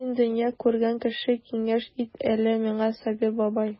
Син дөнья күргән кеше, киңәш ит әле миңа, Сабир бабай.